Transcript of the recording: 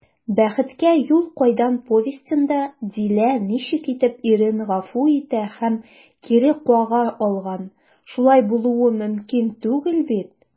«бәхеткә юл кайдан» повестенда дилә ничек итеп ирен гафу итә һәм кире кага алган, шулай булуы мөмкин түгел бит?»